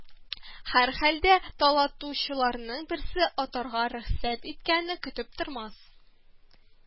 Һәрхәлдә, талатучыларның берсе атарга рөхсәт иткәнне көтеп тормас